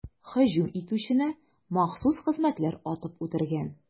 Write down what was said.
Һөҗүм итүчене махсус хезмәтләр атып үтергән.